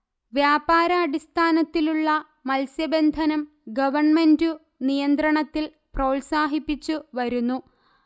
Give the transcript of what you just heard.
വ്യാപാരാടിസ്ഥാനത്തിലുള്ള മത്സ്യബന്ധനം ഗണ്മെന്റു നിയന്ത്രണത്തിൽ പ്രോത്സാഹിപ്പിച്ചു വരുന്നു